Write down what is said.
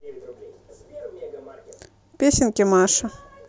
песенки маши